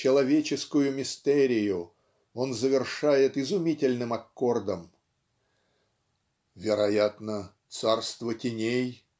человеческую мистерию он завершает изумительным аккордом "Вероятно царство теней